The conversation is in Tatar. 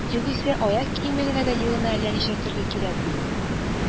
Югыйсә аяк киеме генә дә елына әллә ничә төрле кирәк бит